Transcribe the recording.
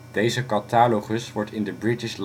Deze catalogus wordt in de British